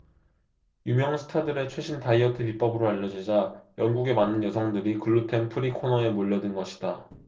유명 스타들의 최신 다이어트 비법으로 알려지자 영국의 많은 여성들이 글루텐 프리 코너에 몰려든 것이다